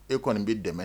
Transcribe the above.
E kɔni bɛ dɛmɛ